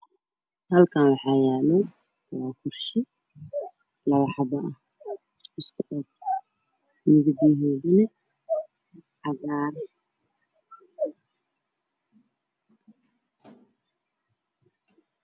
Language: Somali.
Halkan waxaa yaalo waa kursi labo xabo midabadooduna cagaar